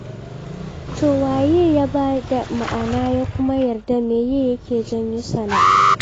To waye ya ba da ma'ana ya kuma yarda meye yake janyo tsana?